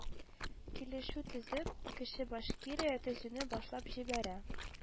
Килешү төзеп, кече башкирия төзүне башлап җибәрә